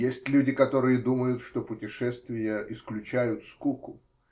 Есть люди, которые думают, что путешествия исключают скуку.